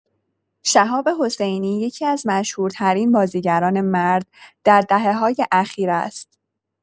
شهاب حسینی یکی‌از مشهورترین بازیگران مرد در دهه‌های اخیر است.